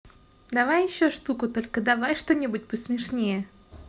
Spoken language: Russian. давай еще шутку только давай что нибудь посмешнее